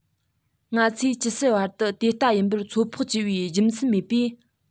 ང ཚོས ཇི སྲིད བར དུ དེ ལྟ ཡིན པར ཚོད དཔག བགྱི བའི རྒྱུ མཚན མེད པས